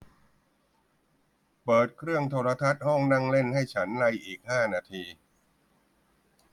เปิดเครื่องโทรทัศน์ห้องนั่งเล่นให้ฉันในอีกห้านาที